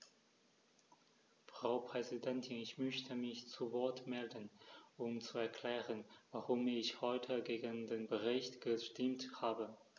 Frau Präsidentin, ich möchte mich zu Wort melden, um zu erklären, warum ich heute gegen den Bericht gestimmt habe.